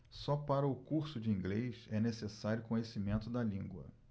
só para o curso de inglês é necessário conhecimento da língua